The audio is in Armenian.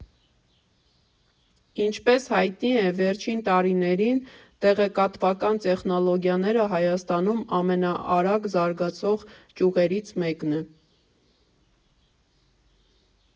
Ինչպես հայտնի է, վերջին տարիներին տեղեկատվական տեխնոլոգիաները Հայաստանում ամենաարագ զարգացող ճյուղերից մեկն է։